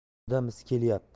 odam isi kelyapti